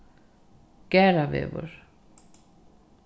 garðavegur